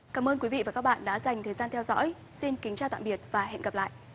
cảm ơn quý vị và các bạn đã dành thời gian theo dõi xin kính chào tạm biệt và hẹn gặp lại